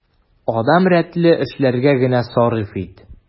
Адәм рәтле эшләргә генә сарыф ит.